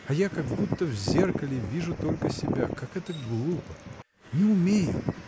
А я как будто в зеркале вижу только себя! Как это глупо! Не умею!